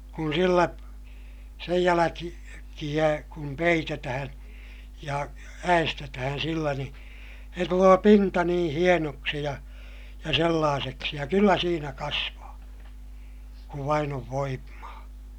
kun sillä sen - jälkiä kun peitetään ja äestetään sillä niin se tulee pinta niin hienoksi ja ja sellaiseksi ja kyllä siinä kasvaa kun vain on voimaa